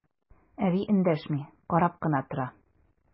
Әби эндәшми, карап кына тора.